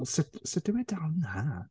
Sut, sut yw e dal 'na?